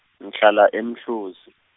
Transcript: ngihlala e- Mhluzi.